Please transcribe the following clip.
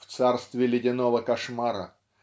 В царстве ледяного кошмара